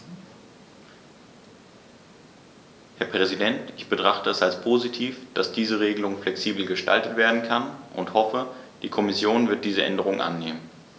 Herr Präsident, ich betrachte es als positiv, dass diese Regelung flexibel gestaltet werden kann und hoffe, die Kommission wird diese Änderung annehmen.